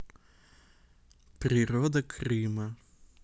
природа крыма